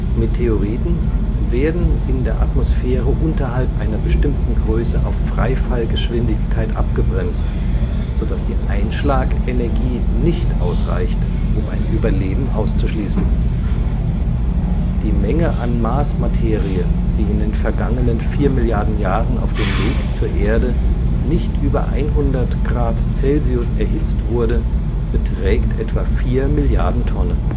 Meteoroiden werden in der Atmosphäre unterhalb einer bestimmten Größe auf Freifallgeschwindigkeit abgebremst, sodass die Einschlagenergie nicht ausreicht, um ein Überleben auszuschließen. Die Menge an Marsmaterie, die in den vergangenen vier Milliarden Jahren auf dem Weg zur Erde nicht über 100 °C erhitzt wurde, beträgt etwa vier Milliarden Tonnen